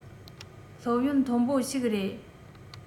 སློབ ཡོན མཐོན པོ ཞིག རེད